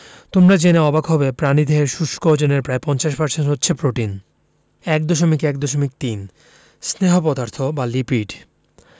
তোমরা জেনে অবাক হবে প্রাণীদেহের শুষ্ক ওজনের প্রায় ৫০% হচ্ছে প্রোটিন ১.১.৩ স্নেহ পদার্থ বা লিপিড